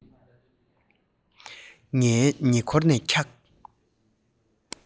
ངའི ཉེ འཁོར ནས འཁྱུག